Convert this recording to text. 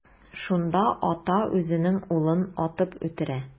Шунда ата үзенең улын атып үтерә.